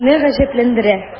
Мине гаҗәпләндерә: